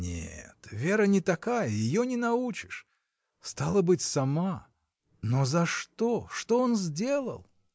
нет — Вера не такая, ее не научишь! Стало быть, сама. Но за что, что он сделал?